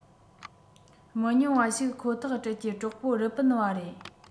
མི ཉུང བ ཞིག ཁོ ཐག སྤྲད ཀྱི གྲོགས པོ རི པིན པ རེད